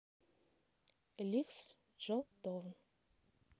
lights go down